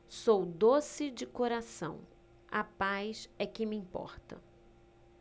sou doce de coração a paz é que me importa